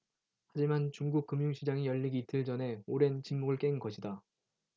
하지만 중국 금융시장이 열리기 이틀 전에 오랜 침묵을 깬 것이다